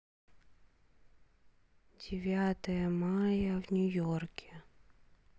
девятое мая в нью йорке